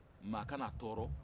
maa kan'a tɔrɔ